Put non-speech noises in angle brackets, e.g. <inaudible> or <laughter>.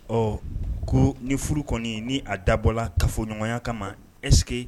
Ɔ, ko ni furu kɔni ni a dabɔ kafɔɲɔgɔnya kama <est que>